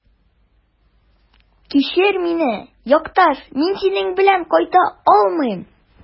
Кичер мине, якташ, мин синең белән кайта алмыйм.